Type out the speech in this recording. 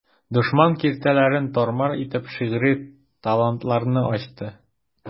Дошман киртәләрен тар-мар итеп, шигъри талантларны ачты ул.